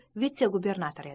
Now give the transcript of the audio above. u vitse gubernator edi